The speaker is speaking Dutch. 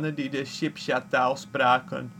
die de Chibcha-taal spraken